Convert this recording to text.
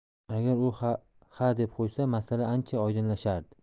agar u ha deb qo'ysa masala ancha oydinlashardi